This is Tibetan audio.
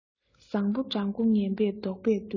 བཟང པོ དགྲ མགོ ངན པས བཟློག པས བསྟུན